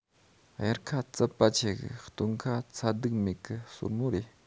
དབྱར ཁ ཙད པ ཆེ གི སྟོན ཁ ད ཚ གདུག མེད གི བསོད མོ རེད